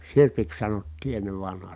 sirpiksi sanottiin ennen vanhaan